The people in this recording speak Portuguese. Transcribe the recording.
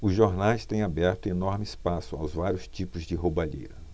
os jornais têm aberto enorme espaço aos vários tipos de roubalheira